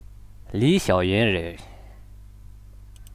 ལིའི ཞའོ ཡན རེད